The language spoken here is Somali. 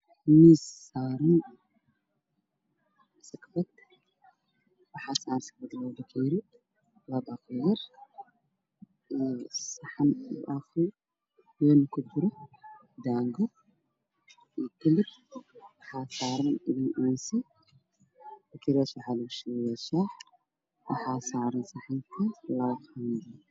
Waxaa ii muuqda xayeysiin oo ku sawiran ibriiq shax laga shubayo waxaa hoos yaalo labo fekeeri oo cadaan miiska ay saaran yihiin waa caddaan background